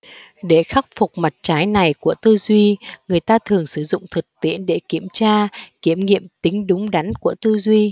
để khắc phục mặt trái này của tư duy người ta thường sử dụng thực tiễn để kiểm tra kiểm nghiệm tính đúng đắn của tư duy